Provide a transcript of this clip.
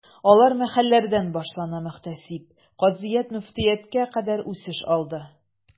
Алар мәхәлләләрдән башлана, мөхтәсиб, казыят, мөфтияткә кадәр үсеш алды.